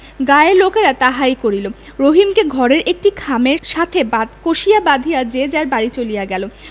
গাঁয়ের লোকেরা তাহাই করিল রহিমকে ঘরের একটি খামের সাথে কষিয়া বাধিয়া যে যার বাড়ি চলিয়া গেল